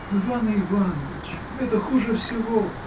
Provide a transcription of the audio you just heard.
— В Ивана Ивановича — это хуже всего.